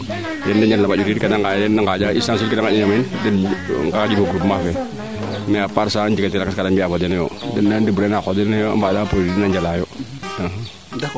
yeede njang na baa njut yit yeede ngada kaa xanj un fo groupement fee mais a part ca njegate lakas kaade mbina fo deno yo den na debrouiller a qoox den a mbaanda produit a njala yo